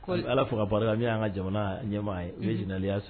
Allah fo k'a barika min y'an ka jamana ɲɛma ye n'o ye gerenal As